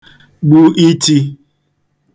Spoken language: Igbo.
gbu itchī